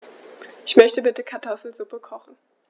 Ich möchte bitte Kartoffelsuppe kochen.